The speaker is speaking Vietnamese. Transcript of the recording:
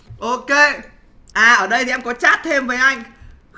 ô kê à ở đây thì em có chát thêm với anh